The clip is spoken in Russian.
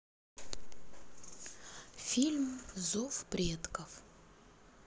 фильм зов предков